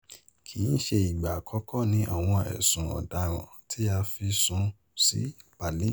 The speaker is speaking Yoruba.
Kiiṣe igba akọkọ ni awọn ẹsun ọdaràn ti a fi sun si Palin.